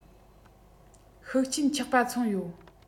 ཤུགས ཆེན ཆག པ མཚོན ཡོད